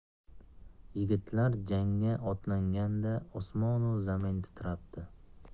yigitlar jangga otlanganda osmonu zamin titrabdi